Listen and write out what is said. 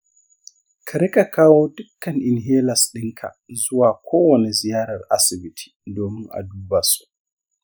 ka riƙa kawo dukkan inhalers ɗinka zuwa kowane ziyarar asibiti domin a duba su.